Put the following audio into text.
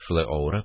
Шулай авырып